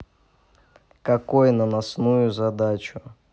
какой наносную задачу